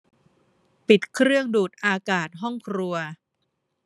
ปิดเครื่องดูดอากาศห้องครัว